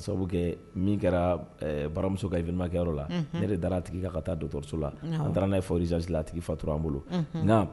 Sababu kɛ min kɛra baramuso ka événement . kɛ yɔrɔ la. Unhun. Ne de da la a tigi kan ka taa dɔgɔtɔrɔso la. Naamu. An taara n'a ye fɔ urgence la a tigi fatura an bolo. Unhun. Naamu.